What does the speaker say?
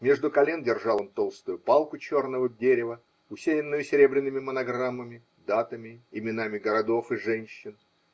Между колен держал он толстую палку черного дерева, усеянную серебряными монограммами, датами, именами городов и женщин.